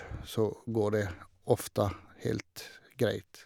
Så går det ofte helt greit.